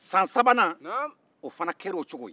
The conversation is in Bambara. san sabanan o fana kɛra o cogo ye